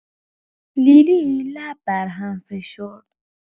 لیلی لب بر هم فشرد.